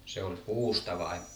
se oli puusta vai